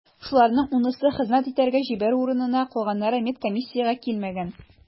Шуларның унысы хезмәт итәргә җибәрү урынына, калганнары медкомиссиягә килмәгән.